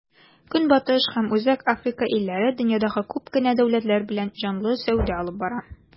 Көнбатыш һәм Үзәк Африка илләре дөньядагы күп кенә дәүләтләр белән җанлы сәүдә алып бара.